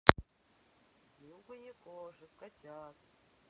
мяуканье кошек котят